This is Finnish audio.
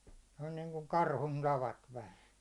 se on niin kuin karhun tavat vähän